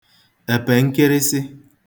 èpè nkịrịsị